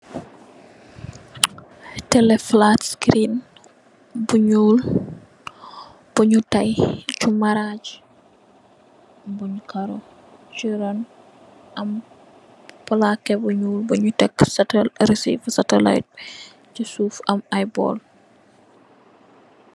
Tele, falaat iskiriin bu nyuul bu nyu tay, ci marraj bu nyu karro, ci ron, am palaat bu nyuul bung tek risifa bu satalayit bi, ci suuf am ay bool.